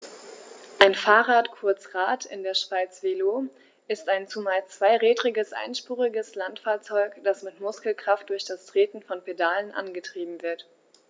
Ein Fahrrad, kurz Rad, in der Schweiz Velo, ist ein zumeist zweirädriges einspuriges Landfahrzeug, das mit Muskelkraft durch das Treten von Pedalen angetrieben wird.